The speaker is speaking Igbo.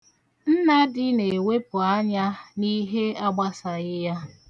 Nnadi na-ewepụ anya ya n'ihe agbasaghị ya.